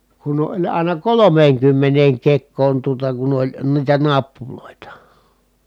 kun oli aina kolmeenkymmeneen kekoon tuota kun oli niitä nappuloita